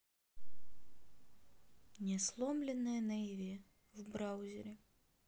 не сломленные на иве в браузере